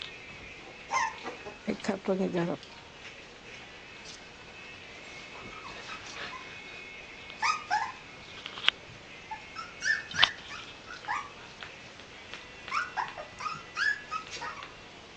Ay cartoon nye garab.